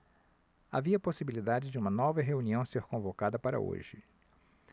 havia possibilidade de uma nova reunião ser convocada para hoje